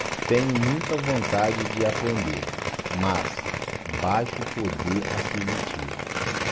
tenho muita vontade de aprender mas baixo poder aquisitivo